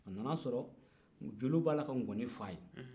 a nana sɔrɔ jeliw b'a la ka nkɔni f'a ye